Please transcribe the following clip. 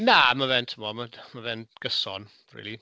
Na, ma' fe'n, tibod, ma' fe'n gyson rili.